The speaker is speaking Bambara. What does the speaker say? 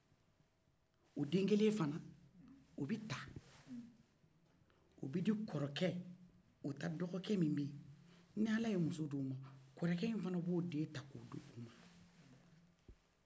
o den kelen fɔnɔ o bɛ ta obedi kɔrɔkɛ o ta dɔgɔ kɛ min bɛyi n'alla ye muso ta kɔrɔokɛ fɔnɔ bɛ o den kelen ta kadi oka muso ma